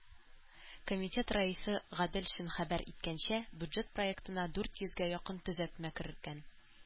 Комитет рәисе Гаделшин хәбәр иткәнчә, бюджет проектына дүрт йөзгә якын төзәтмә кергән.